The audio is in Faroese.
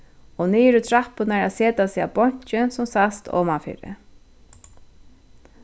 og niður í trappurnar at seta seg á bonkin sum sæst omanfyri